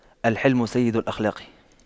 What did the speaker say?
الحِلْمُ سيد الأخلاق